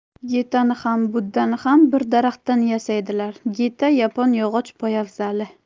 getani ham buddani ham bir daraxtdan yasaydilar geta yapon yog'och poyafzali